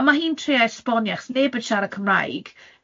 A ma' hi'n trio esbonio achos neb yn siarad Cymraeg.